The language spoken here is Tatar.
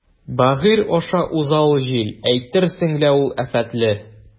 Бәгырь аша уза ул җил, әйтерсең лә ул афәтле.